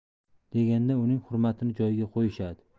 deganda uning hurmatini joyiga qo'yishadi